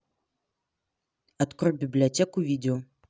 открой библиотеку видео